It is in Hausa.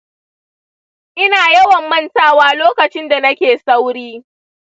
ina yawan mantawa lokacin da nake sauri.